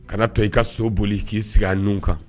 Kana to i ka so boli k'i sigi nun kan.